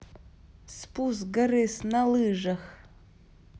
спуск с горы на лыжах